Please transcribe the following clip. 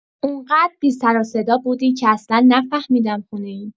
اون‌قدر بی‌سروصدا بودی که اصلا نفهمیدم خونه‌ای.